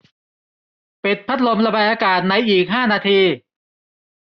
ปิดพัดลมระบายอากาศในอีกห้านาที